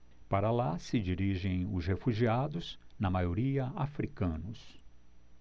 para lá se dirigem os refugiados na maioria hútus